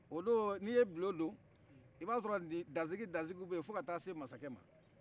o don n'iye bulo do gansigi gansigiw bɛ ye fo ka taa se masakɛ ma